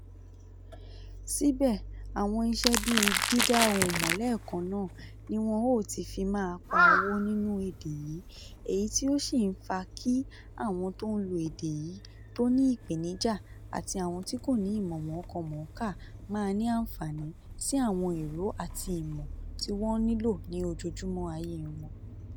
Síbẹ̀ àwọn iṣẹ́ bíì dída ohùn mọ̀ lẹ́ẹ̀kannáà (ASR) ni wọ̀n ò tìí fi máá pa owó nínú èdè yìí, èyí tí ó sì ń fàá kí àwọn tó ń lo èdè yìí tó ni ìpenìjà àti àwọn tí kò ní ìmọ̀ mọ̀ọ́kọ-mọ̀ọ́ka mà ní àńfààní sí àwọn ìró àtí ìmọ̀ tí wọ́n nílò ní ojoójúmọ́ ayé wọn.